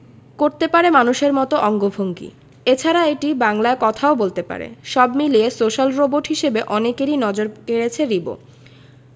করতে পারে মানুষের মতো অঙ্গভঙ্গি এছাড়া এটি বাংলায় কথাও বলতে পারে সব মিলিয়ে সোশ্যাল রোবট হিসেবে অনেকেরই নজর কেড়েছে রিবো